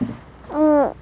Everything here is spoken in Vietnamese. ư